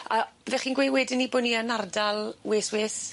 A byddech chi'n gweud wedyn 'ny bo' ni yn ardal wes wes?